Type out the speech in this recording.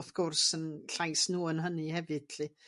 wth gwrs yn llais nhw yn hynny hefyd 'lly.